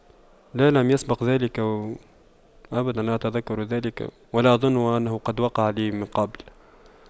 لا لم يسبق ذلك وأبدا أتذكر ذلك ولا أظن انه قد وقع لي من قبل